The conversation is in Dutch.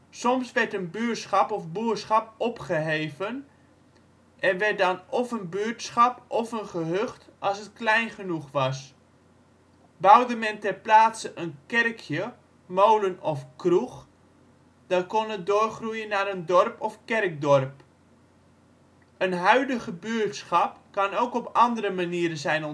Soms werd een buurschap of boerschap opgeheven en werd dan of een buurtschap of een gehucht als het klein genoeg was. Bouwde men ter plaatse een kerk (je), molen of kroeg, dan kon het doorgroeien naar een (kerk) dorp. Een huidige buurtschap kan ook op andere manieren zijn